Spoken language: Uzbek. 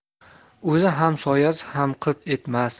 o'zi ham soyasi ham qilt etmas